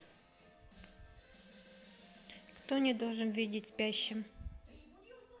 кто не должен видеть спящими